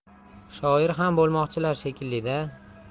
shoir ham bo'lmoqchilar shekilli da